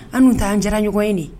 An ta anan jara ɲɔgɔn ye de